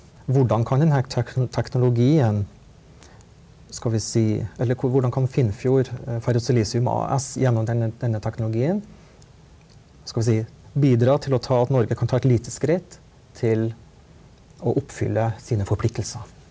hvordan kan den her teknologien skal vi si eller hvor hvordan kan Finnfjord ferrosilisium A S gjennom denne denne teknologien skal vi si bidra til å ta at Norge kan ta et lite skritt til å oppfylle sine forpliktelser.